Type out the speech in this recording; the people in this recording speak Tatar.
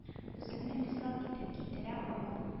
Үземне мисал итеп китерә алам